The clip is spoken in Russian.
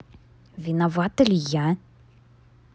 виновата ли я